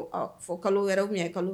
Fo kalo wɛrɛ tun ye kalo